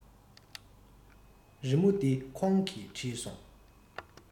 རི མོ འདི ཁོང གིས བྲིས སོང